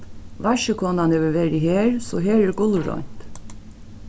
vaskikonan hevur verið her so her er gullreint